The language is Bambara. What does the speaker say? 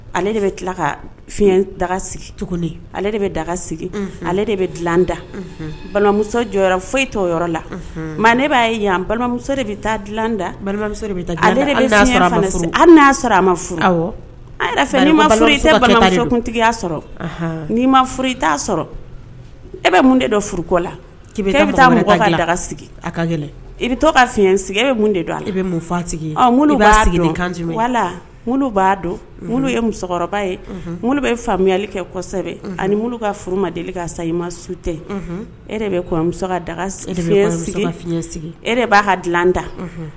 Ale de bɛ tila ka sigi cogo ale de bɛ daga sigi ale de bɛ dila da balimamuso jɔ foyi to yɔrɔ la maa ne b'a ye yan balimamuso de taa dilada ale sɔrɔ a ma furukuntigiya sɔrɔ' ma furu sɔrɔ e bɛ mun de furu kɔ la bɛ sigi i bɛ ka fiɲɛ sigi mun de faa b'a dɔn ye musokɔrɔba ye bɛ faamuyayali kɛsɛbɛ ani ka furu ma deli ka sa i ma su tɛ emuso e b'a ka dila da